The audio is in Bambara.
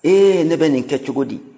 ee ne bɛ nin kɛ cogo di